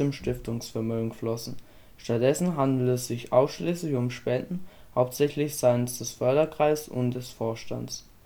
Stiftungsvermögen flossen. Stattdessen handelte es sich ausschließlich um Spenden, hauptsächlich seitens des Förderkreises und des Vorstands